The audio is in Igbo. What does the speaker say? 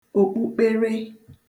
òkpukpere